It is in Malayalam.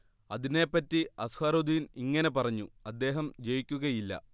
അതിനെപ്പറ്റി അസ്ഹറുദ്ദീൻ ഇങ്ങനെ പറഞ്ഞു അദ്ദേഹം ജയിക്കുകയില്ല